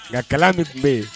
Nka kala min tun bɛ yen